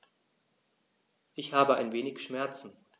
Ich habe ein wenig Schmerzen.